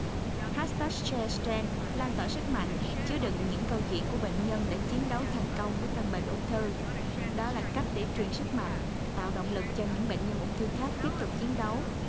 hát tác se tren lan tỏa sức mạnh chứa đựng những câu chuyện của bệnh nhân đã chiến đấu thành công với căn bệnh ung thư đó là cách để truyền sức mạnh tạo động lực cho những bệnh nhân ung thư khác tiếp tục chiến đấu